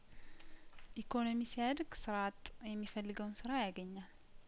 ኢኮኖሚ ሲያድግ ስራ አጥ የሚፈልገውን ስራ ያገኛል